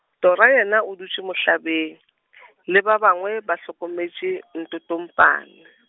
Tora yena o dutše mohlabeng, le ba bangwe ba hlokometše Ntotompane.